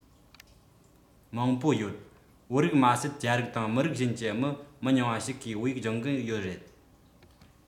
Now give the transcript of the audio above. མང པོ ཡོད བོད རིགས མ ཟད རྒྱ རིགས དང མི རིགས གཞན གྱི མི མི ཉུང བ ཞིག གིས བོད ཡིག སྦྱོང གི ཡོད རེད